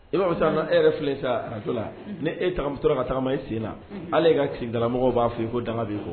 E' bɛ sa e yɛrɛ filɛ sa araso la ni e to ka taa e sen na ale ka kidamɔgɔ b'a fɔ i ko dagan bɛ'i kɔ